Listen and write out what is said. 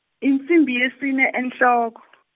insimbi yesine enhloko.